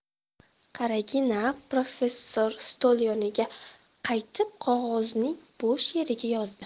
qaragin a professor stol yoniga qaytib qog'ozning bo'sh yeriga yozdi